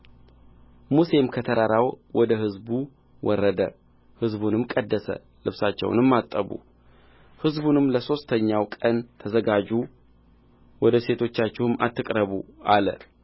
ሙሴም ከተራራው ወደ ሕዝቡ ወረደ ሕዝቡንም ቀደሰ ልብሳቸውንም አጠቡ ሕዝቡንም ለሦስተኛው ቀን ተዘጋጁ ወደ ሴቶቻችሁ አትቅረቡ አለ